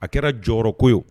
A kɛra jɔyɔrɔko ye